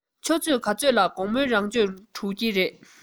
ཆུ ཚོད ག ཚོད ལ དགོང མོའི རང སྦྱོང གྲོལ གྱི རེད